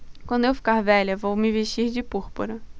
quando eu ficar velha vou me vestir de púrpura